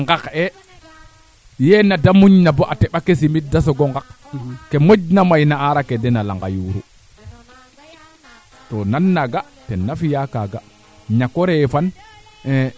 njom a Yenghele manaam leyin mee a Djiby lee o feet e fato gar radio laa mba bo gare roona